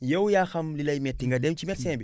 yow yaa xam li lay métti nga dem ci medecin bi